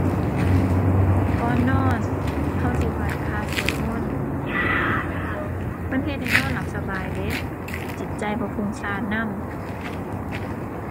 ก่อนนอนเราสิไหว้พระสวดมนต์ มันเฮ็ดให้นอนหลับสบายเดะ จิตใจบ่ฟุ้งซ่านนำ